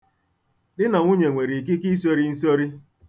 Di na nwunye nwere ikike isori nsori.